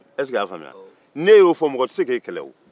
n'e y'o fɔ mɔgɔ tɛ ka e kɛlɛ o